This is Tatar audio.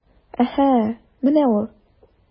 Әһә, менә ул...